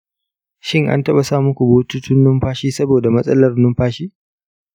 shin an taɓa saka muku bututun numfashi saboda matsalar numfashi?